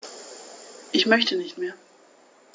Ich möchte nicht mehr.